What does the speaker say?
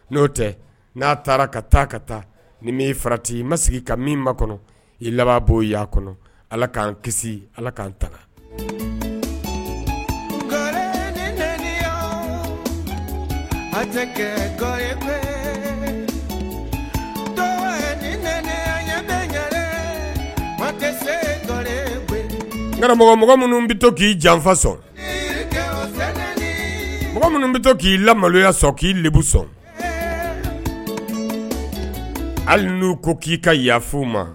N'o tɛ n'a taara ka taa ka taa nii farati i ma sigi ka min ma kɔnɔ i labanbɔ' a kɔnɔ ala k'an kisi ala k'an taga karamɔgɔ minnu bɛ k'i janfa sɔn mɔgɔ minnu bɛ k'i la maloya sɔn k'i sɔn hali n'u ko k'i ka yafa ma